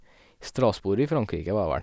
Strasbourg i Frankrike, var det vel.